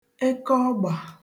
ekeọgbà